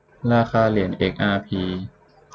ราคาเหรียญเอ็กอาร์พี